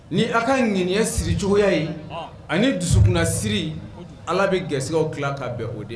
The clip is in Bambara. Ni a ka ŋaniya siri cogoya ye ani dusukunna siri allah bɛ gɛrɛskɛw tila ka bɛn o de ma